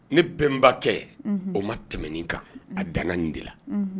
Ne bɛnbakɛ.,. Unhun! o ma tɛmɛ ni kan,. Un! A dan na nin de la. Unhun.